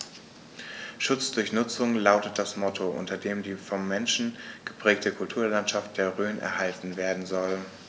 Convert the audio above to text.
„Schutz durch Nutzung“ lautet das Motto, unter dem die vom Menschen geprägte Kulturlandschaft der Rhön erhalten werden soll.